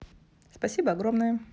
спасибо огромное